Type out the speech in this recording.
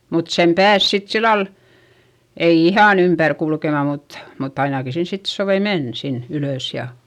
mutta sen pääsi sitten sillä lailla ei ihan ympäri kulkemaan mutta mutta ainakin sinne sitten sopi mennä sinne ylös ja